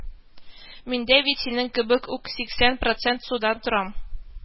Мин дә бит синең кебек үк сиксән процент судан торам